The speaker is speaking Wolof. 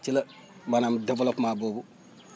ci la maanaam dévéloppement boobu